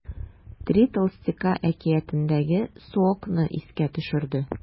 “три толстяка” әкиятендәге суокны искә төшерде.